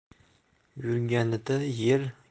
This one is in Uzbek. yurganida yer gursillaydigan